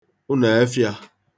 ụnọ̀ẹfhị̄ā